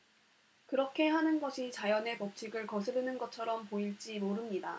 그렇게 하는 것이 자연의 법칙을 거스르는 것처럼 보일지 모릅니다